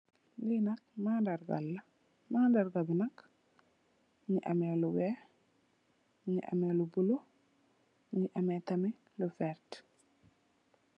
Lee nak manargal la manarga be nak muge ameh lu weex muge ameh lu bulo muge ameh tamin lu verte.